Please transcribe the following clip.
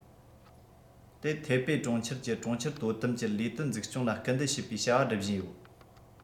དེའི ཐའེ པེ གྲོང ཁྱེར གྱི གྲོང ཁྱེར དོ དམ གྱི ལས དོན འཛུགས སྐྱོང ལ སྐུལ འདེད བྱེད པའི བྱ བ སྒྲུབ བཞིན ཡོད